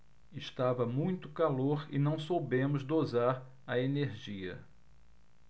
estava muito calor e não soubemos dosar a energia